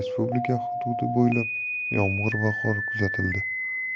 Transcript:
hududi bo'ylab yomg'ir va qor kuzatildi